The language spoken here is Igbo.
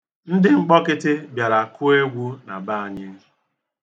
Ndị Mkpọkịtị bịara kụọ egwu na be anyị.